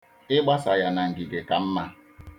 Ịgbasa ya na ngige ka mma.